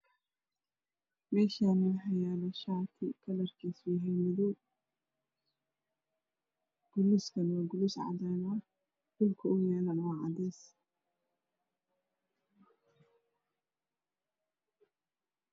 Meeshani waxa yaalo shaadh kalarkiisu yahay madaw guluuskani waa guluus cadana